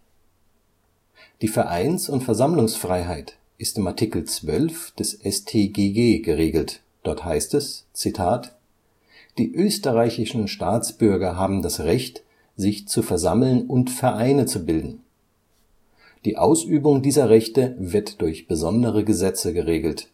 Die Vereins - und Versammlungsfreiheit ist im Art. 12 des StGG geregelt:” Die österreichischen Staatsbürger haben das Recht, sich zu versammeln und Vereine zu bilden. Die Ausübung dieser Rechte wird durch besondere Gesetze geregelt